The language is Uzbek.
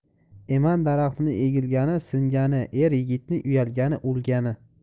eman daraxtining egilgani singani er yigitning uyalgani o'lgani